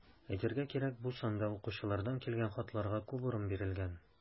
Әйтергә кирәк, бу санда укучылардан килгән хатларга күп урын бирелгән.